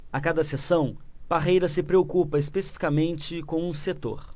a cada sessão parreira se preocupa especificamente com um setor